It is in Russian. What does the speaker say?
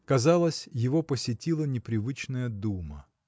Казалось, его посетила непривычная дума.